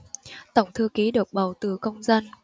tổng thư ký được bầu từ công dân